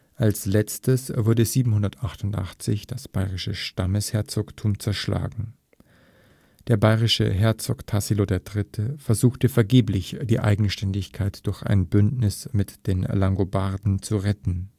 Als letztes wurde 788 das baierische Stammesherzogtum zerschlagen. Der baierische Herzog Tassilo III. versuchte vergeblich die Eigenständigkeit durch ein Bündnis mit den Langobarden zu retten